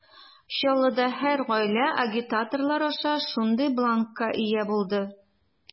Чаллыда һәр гаилә агитаторлар аша шундый бланкка ия булды.